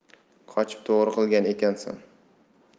qochib to'g'ri qilgan ekansan